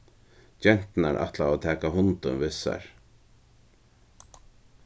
genturnar ætlaðu at taka hundin við sær